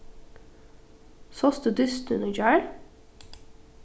sást tú dystin í gjár